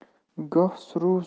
goh suruv suruv